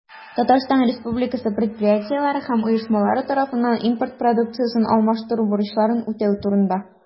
Татарстан Республикасы предприятиеләре һәм оешмалары тарафыннан импорт продукциясен алмаштыру бурычларын үтәү турында.